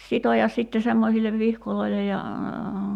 sitoa sitten semmoisille vihkoille ja